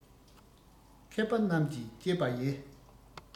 མཁས པ རྣམས ཀྱིས དཔྱད པ ཡི